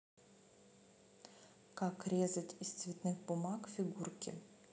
как резать из цветных бумаг фигурки